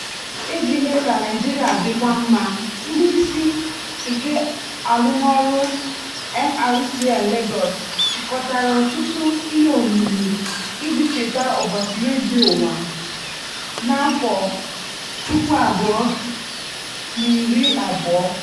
Iji mee ka Naịjirịa dịkwuo mma, ndị isi nke Arụmọrụ FRCN Lagos chịkọtara ọtụtụ ihe omume iji cheta Ụbọchị Redio Uwa 2020.